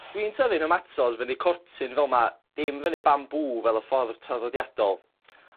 Dwi'n tyfu'n nhomatos fyny cortyn fel 'ma, dim fyny bambŵ fel y ffordd traddodiadol